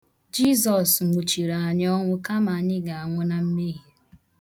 Jizọs nwuchiri anyị ọnwụ kama anyị ga-anwụ na mmehie.